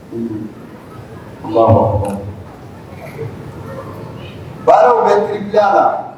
baaraw bɛ tripler a la